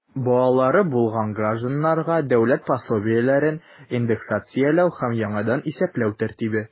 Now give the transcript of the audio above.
Балалары булган гражданнарга дәүләт пособиеләрен индексацияләү һәм яңадан исәпләү тәртибе.